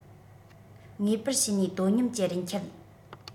ངེས པར བྱས ནས དོ སྙོམས ཀྱི རིན ཁྱད